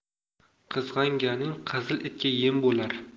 qizg'anganing qizil itga yem bo'lar